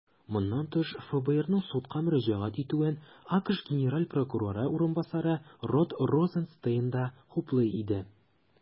Моннан тыш, ФБРның судка мөрәҗәгать итүен АКШ генераль прокуроры урынбасары Род Розенстейн да хуплый иде.